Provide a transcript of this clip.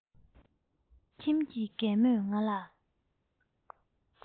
ཁྱིམ གྱི རྒན མོས ང ལ